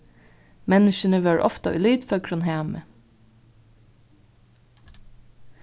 menniskjuni vóru ofta í litføgrum hami